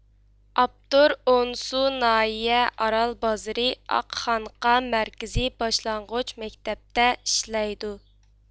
ئاپتور ئونسۇ ناھىيە ئارال بازىرى ئاقخانقا مەركىزىي باشلانغۇچ مەكتەپتە ئىشلەيدۇ